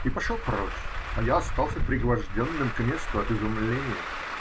И пошел прочь, а я остался пригвожденным к месту от изумления.